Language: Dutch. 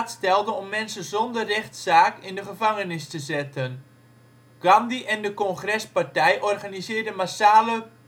stelde om mensen zonder rechtszaak in de gevangenis te zetten. Gandhi en de Congrespartij organiseerden massale